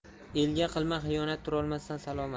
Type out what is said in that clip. elga qilma xiyonat turolmassan salomat